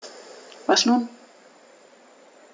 Was nun?